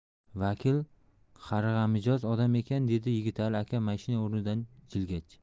vakil qarg'amijoz odam ekan dedi yigitali aka mashina o'rnidan jilgach